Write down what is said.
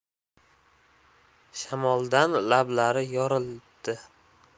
shamoldan lablari yorilibdi